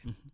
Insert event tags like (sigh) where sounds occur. (hesitation) (hesitation)